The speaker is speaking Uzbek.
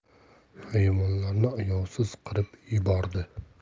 hayvonlarni ayovsiz qirib yubordi